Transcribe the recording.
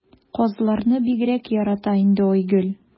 Казларны бигрәк ярата инде Айгөл.